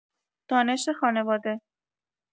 دانش خانواده